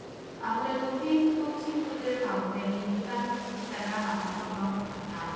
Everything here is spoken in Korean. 아무래도 페이스북 친구들 가운데 민주당 지지자들이 많아서 그런 것 같다